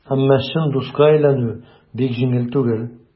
Әмма чын дуска әйләнү бик җиңел түгел.